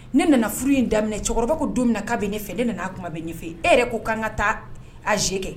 Ne nana furu in daminɛ cɛkɔrɔba ko don minɛ k' bɛ ne fɛ ne nana a tuma bɛ ne fɛ e yɛrɛ ko' kanan ka taa a ze kɛ